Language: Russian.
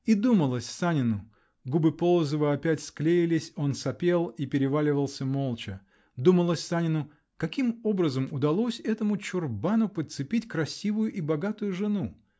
И думалось Санину -- губы Полозова опять склеились, он сопел и переваливался молча, -- думалось Санину: каким образом удалось этому чурбану подцепить красивую и богатую жену?